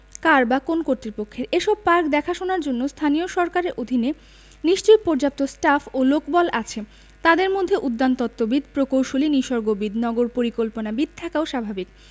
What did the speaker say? কার বা কোন্ কর্তৃপক্ষের এসব পার্ক দেখাশোনার জন্য স্থানীয় সরকারের অধীনে নিশ্চয়ই পর্যাপ্ত স্টাফ ও লোকবল আছে তাদের মধ্যে উদ্যানতত্ত্ববিদ প্রকৌশলী নিসর্গবিদ নগর পরিকল্পনাবিদ থাকাও স্বাভাবিক